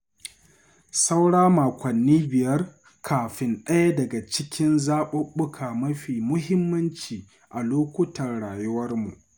“Saura makonni biyar kafin ɗaya daga cikin zaɓuɓɓuka mafi muhimmanci a lokutan rayuwarmu.